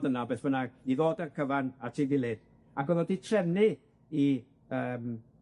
yna, beth bynnag, i ddod â'r cyfan at ei gilydd, ac o'dd o 'di trefnu i yym